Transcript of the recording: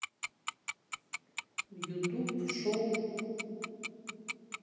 ютуб шоу